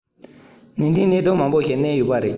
ཏན ཏན གནད དོན མང པོ ཞིག གནས ཡོད པ རེད